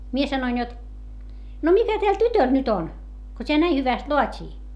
minä sanoin jotta no mitä tällä tytöllä nyt on kun tämä näin hyvästi laatii